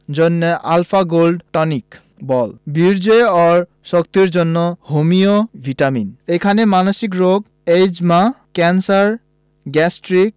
জন্য alpha gold tonic –বল বীর্য ও শক্তির জন্য হোমিও ভিটামিন এখানে মানসিক রোগ এ্যজমা ক্যান্সার গ্যাস্ট্রিক